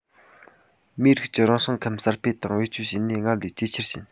མིའི རིགས ཀྱི རང བྱུང ཁམས གསར སྤེལ དང བེད སྤྱོད བྱེད ནུས སྔར ལས ཇེ ཆེར ཕྱིན